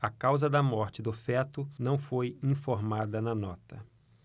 a causa da morte do feto não foi informada na nota